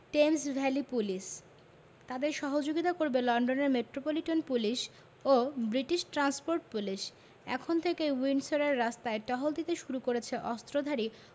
Thames Valley Police তাঁদের সহযোগিতা করবে লন্ডনের মেট্রোপলিটন পুলিশ ও ব্রিটিশ ট্রান্সপোর্ট পুলিশ এখন থেকেই উইন্ডসরের রাস্তায় টহল দিতে শুরু করেছে অস্ত্রধারী